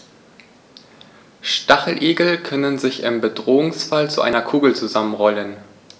Stacheligel können sich im Bedrohungsfall zu einer Kugel zusammenrollen.